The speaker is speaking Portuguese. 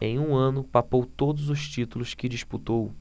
em um ano papou todos os títulos que disputou